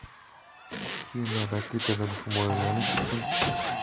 kema raketadan himoyalanish uchun